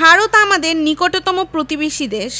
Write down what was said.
ভারত আমাদের নিকটতম প্রতিবেশী দেশ